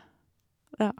Ja.